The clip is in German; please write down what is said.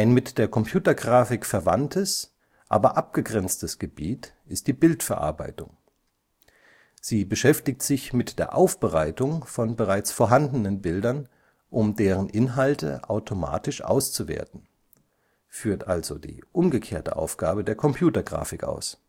mit der Computergrafik verwandtes, aber abgegrenztes Gebiet ist die Bildverarbeitung. Sie beschäftigt sich mit der Aufbereitung von bereits vorhandenen Bildern, um deren Inhalte automatisch auszuwerten, führt also die umgekehrte Aufgabe der Computergrafik aus